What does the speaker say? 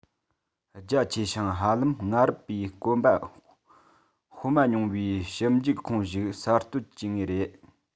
རྒྱ ཆེ ཞིང ཧ ལམ སྔ རབས པས གོམ པ སྤོ མ མྱོང བའི ཞིབ འཇུག ཁོངས ཤིག གསར གཏོད བགྱི ངེས ཡིན